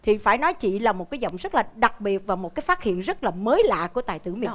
thì phải nói chị là một cái giọng rất là đặc biệt và một cái phát hiện rất là mới lạ của tài tử miệt